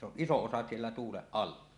se on iso osa siellä tuulen alla